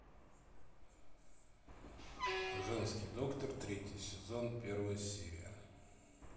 женский доктор третий сезон первая серия